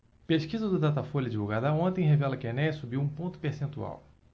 pesquisa do datafolha divulgada ontem revela que enéas subiu um ponto percentual